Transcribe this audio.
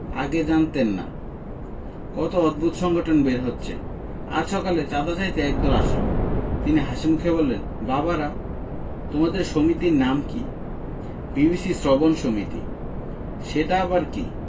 আগে জানতেন না কত অদ্ভুত সংগঠন যে বের হচ্ছে আজ সকালে চাঁদা চাইতে একদল আসল তিনি হাসিমুখে বললেন বাবারা তোমাদের সমিতির নাম কি বিবিসি শ্রবণ সমিতি সেটা আবার কি